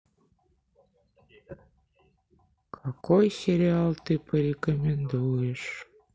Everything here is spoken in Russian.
какой сериал ты порекомендуешь